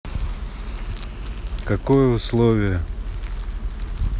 какое условие